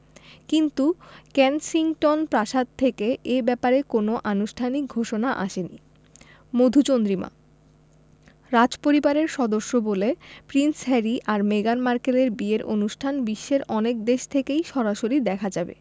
কিন্তু কেনসিংটন প্রাসাদ থেকে এ ব্যাপারে কোনো আনুষ্ঠানিক ঘোষণা আসেনি মধুচন্দ্রিমা রাজপরিবারের সদস্য বলে প্রিন্স হ্যারি আর মেগান মার্কেলের বিয়ের অনুষ্ঠান বিশ্বের অনেক দেশ থেকেই সরাসরি দেখা যাবে